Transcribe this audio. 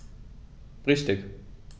Richtig